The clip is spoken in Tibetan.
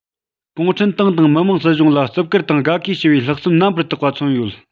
གུང ཁྲན ཏང དང མི དམངས སྲིད གཞུང ལ བརྩི བཀུར དང དགའ གུས ཞུ བའི ལྷགས བསམ རྣམ པར དག པ མཚོན ཡོད